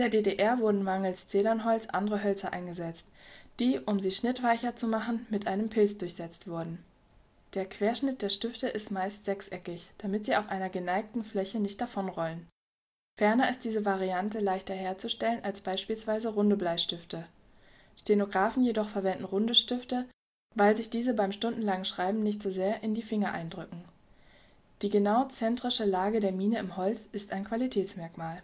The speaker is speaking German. DDR wurden mangels Zedernholz andere Hölzer eingesetzt, die, um sie schnittweicher zu machen, mit einem Pilz durchsetzt wurden. Der Querschnitt der Stifte ist meist sechseckig, damit sie auf einer geneigten Fläche nicht davonrollen; ferner ist diese Variante leichter herzustellen als beispielsweise runde Bleistifte. Stenografen jedoch verwenden runde Stifte, weil sich diese beim stundenlangen Schreiben nicht so sehr in die Finger eindrücken. Die genau zentrische Lage der Mine im Holz ist ein Qualitätsmerkmal